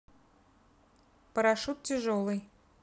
парашют тяжелый